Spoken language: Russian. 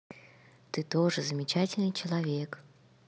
ты тоже замечательный человек